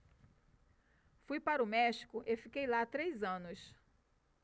fui para o méxico e fiquei lá três anos